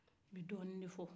i bɛ dɔni de fɔ